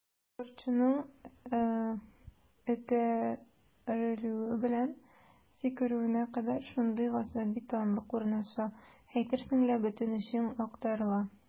Спортчының этәрелүе белән сикерүенә кадәр шундый гасаби тынлык урнаша, әйтерсең лә бөтен эчең актарыла.